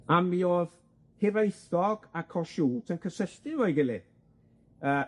A mi o'dd Hiraethog ac Kossuth yn cysylltu efo'i gilydd yy